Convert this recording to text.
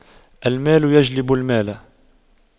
المال يجلب المال